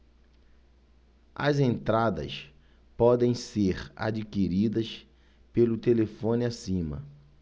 as entradas podem ser adquiridas pelo telefone acima